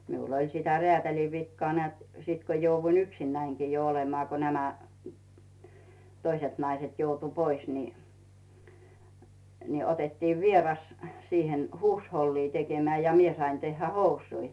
minulla oli sitä räätälin vikaa näet sitten kun jouduin yksinänikin jo olemaan kun nämä toiset naiset joutui pois niin niin otettiin vieras siihen huushollia tekemään ja minä sain tehdä housuja